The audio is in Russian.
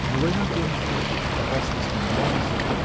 Но война кончилась, опасность миновалась